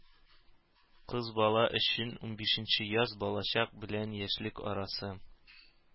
Кыз бала өчен унбишенче яз балачак белән яшьлек арасы.